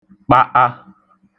kpa('a)